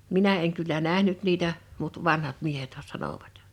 minä en kyllä nähnyt niitä mutta vanhat miehethän sanoivat